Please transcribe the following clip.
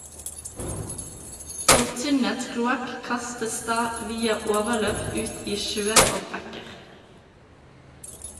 Fortynnet kloakk kastes da via overløp ut i sjøer og bekker.